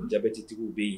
Jabɛtigitigiw bɛ yen